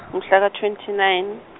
mhla ka twenty nine.